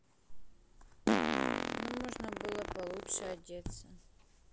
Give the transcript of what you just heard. ну можно было получше одеться